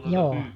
joo